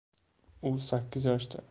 u sakkiz yoshda